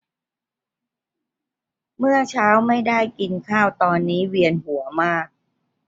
เมื่อเช้าไม่ได้กินข้าวตอนนี้เวียนหัวมาก